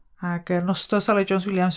Ac, yy, 'Nostos', Aled Jones Williams.